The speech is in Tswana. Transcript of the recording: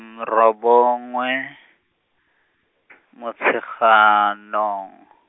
robongwe , Motsheganong.